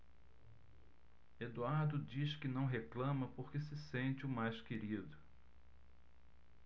eduardo diz que não reclama porque se sente o mais querido